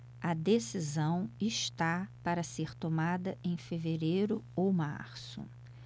a decisão está para ser tomada em fevereiro ou março